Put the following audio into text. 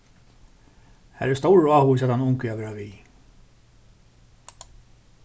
har er stórur áhugi hjá teimum ungu at vera við